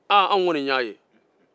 an kɔni y'a ye